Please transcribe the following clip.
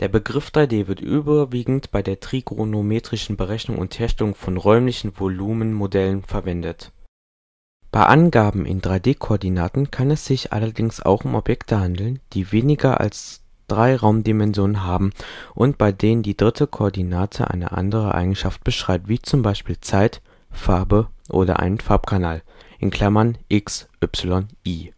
Begriff 3-D wird überwiegend bei der trigonometrischen Berechnung und Herstellung von räumlichen Volumenmodellen verwendet. Bei Angaben in 3-D-Koordinaten kann es sich allerdings auch um Objekte handeln, die weniger als drei Raumdimensionen haben und bei denen die dritte Koordinate eine andere Eigenschaft beschreibt, wie zum Beispiel Zeit, Farbe oder einen Farbkanal: (X, Y, i